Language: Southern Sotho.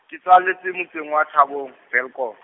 ke tswaletswe motseng wa Thabong , Welkom.